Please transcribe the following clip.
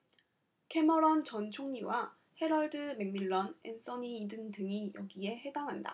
캐머런 전 총리와 해럴드 맥밀런 앤서니 이든 등이 여기에 해당한다